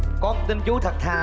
con tin chú thật thà